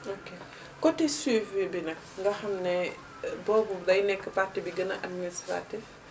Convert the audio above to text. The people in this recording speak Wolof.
ok côté suivi bi nag nga xam ne boobu dafay nekk partie bi gën a administratif